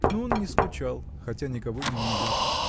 но он не скучал, хотя никого не видел